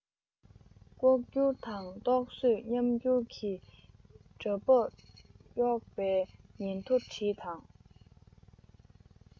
ལྐོག འགྱུར དང རྟོག བཟོས ཉམས འགྱུར གྱི འདྲ འབག གཡོག པའི ཉིན ཐོ བྲིས དང